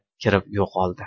kirib yo'qoldi